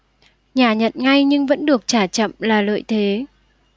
nhà nhận ngay nhưng vẫn được trả chậm là lợi thế